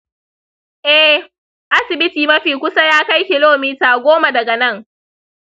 eh, asibiti mafi kusa ya kai kilomita goma daga nan.